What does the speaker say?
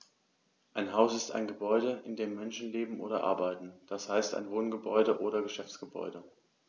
Ein Haus ist ein Gebäude, in dem Menschen leben oder arbeiten, d. h. ein Wohngebäude oder Geschäftsgebäude.